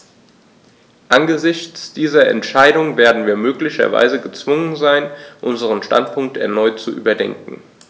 Angesichts dieser Entscheidung werden wir möglicherweise gezwungen sein, unseren Standpunkt erneut zu überdenken.